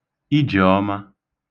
Ijèọma